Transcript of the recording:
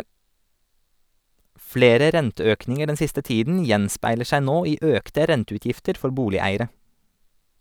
Flere renteøkninger den siste tiden gjenspeiler seg nå i økte renteutgifter for boligeiere.